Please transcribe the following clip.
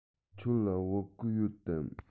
ཁྱོད ལ བོད གོས ཡོད དམ